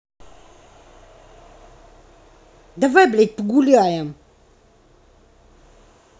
давай блядь погуляем